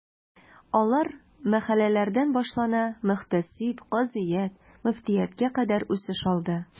Алар мәхәлләләрдән башлана, мөхтәсиб, казыят, мөфтияткә кадәр үсеш алды.